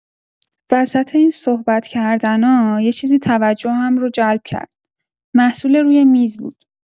وسط این صحبت کردنا یه چیزی توجهم رو جلب کرد، محصول روی میز بود.